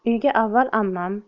uyga avval ammam